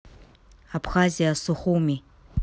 абхазия сухуми